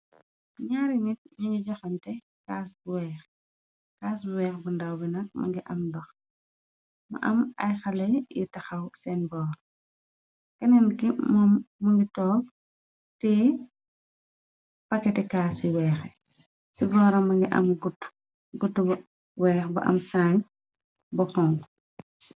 Naari nit ñuñu joxante cas bu weex, cas bu weex bu ndaw bi nak mungi am ndox, ma am ay xale yir taxaw seen boor keneen ki mëo mu ngi toop tee paketi caas ,ci weexe ci goora mangi am gutu weex bu am saañ ba xonxo.